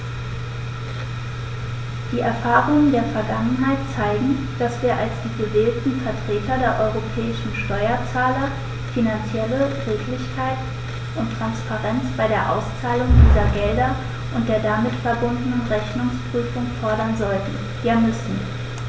Die Erfahrungen der Vergangenheit zeigen, dass wir als die gewählten Vertreter der europäischen Steuerzahler finanzielle Redlichkeit und Transparenz bei der Auszahlung dieser Gelder und der damit verbundenen Rechnungsprüfung fordern sollten, ja müssen.